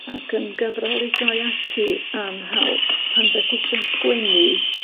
ac yn gyfrol i droi ati am help pan 'dych chi isio sgwennu